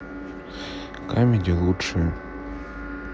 камеди лучшее